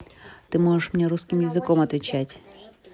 ты можешь мне русским языком отвечать